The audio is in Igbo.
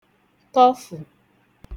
tọfụ̀